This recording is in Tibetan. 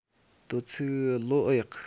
དོ ཚིག ལོ ཨེ ཡག གི